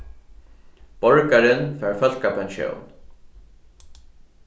borgarin fær fólkapensjón